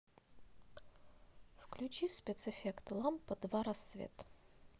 включи спецэффект лампа два рассвет